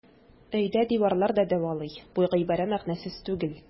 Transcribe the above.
Өйдә диварлар да дәвалый - бу гыйбарә мәгънәсез түгел.